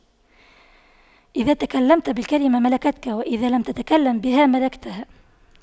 إذا تكلمت بالكلمة ملكتك وإذا لم تتكلم بها ملكتها